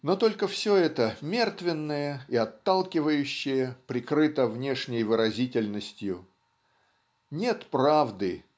но только все это мертвенное и отталкивающее прикрыто внешней выразительностью. Нет правды